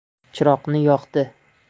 chiroqni yoqdi